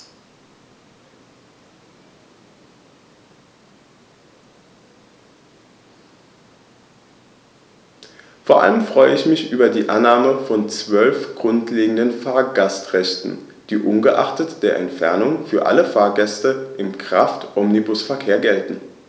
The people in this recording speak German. Vor allem freue ich mich über die Annahme von 12 grundlegenden Fahrgastrechten, die ungeachtet der Entfernung für alle Fahrgäste im Kraftomnibusverkehr gelten.